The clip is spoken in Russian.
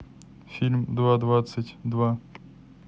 фильм два двадцать два